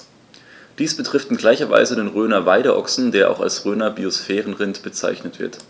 Dies betrifft in gleicher Weise den Rhöner Weideochsen, der auch als Rhöner Biosphärenrind bezeichnet wird.